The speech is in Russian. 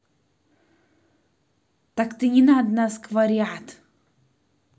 так ты не надо нас квариат